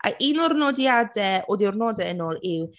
A un o’r nodiadau o diwrnodau yn ôl yw...